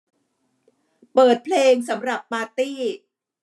เปิดเพลงสำหรับปาร์ตี้